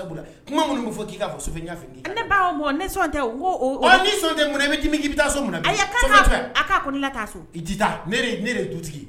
Min fɔ k'i ne' bɔ ne sɔn tɛ sɔn tɛ bɛ k' bɛ taa so ne ye dutigi